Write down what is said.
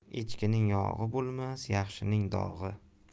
echkining yog'i bo'lmas yaxshining dog'i